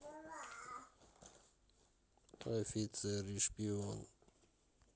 офицер и шпион